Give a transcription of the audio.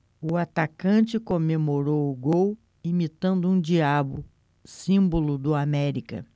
o atacante comemorou o gol imitando um diabo símbolo do américa